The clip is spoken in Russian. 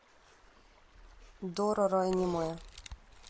дороро аниме